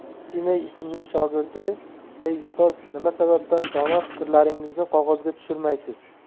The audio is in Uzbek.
timey ismli shogirdi ey ustoz nima sababdan dono fikrlaringizni qog'ozga tushirmaysiz